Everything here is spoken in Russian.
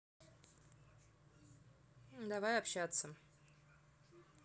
давай общаться